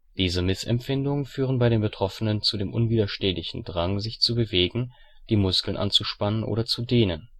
Diese Missempfindungen führen bei den Betroffenen zu dem unwiderstehlichen Drang, sich zu bewegen, die Muskeln anzuspannen oder zu dehnen